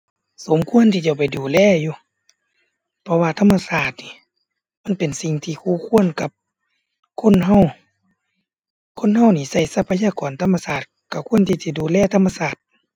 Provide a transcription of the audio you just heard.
สมควรที่จะไปดูแลอยู่ เพราะว่าธรรมชาตินี่ มันเป็นสิ่งที่คู่ควรกับคนเรา คนเรานี่เราทรัพยากรธรรมชาติ เราควรที่สิดูแลธรรมชาติ